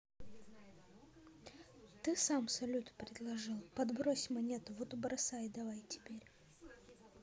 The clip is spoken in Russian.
ты сам салют предложил подбрось монетку вот бросай давай теперь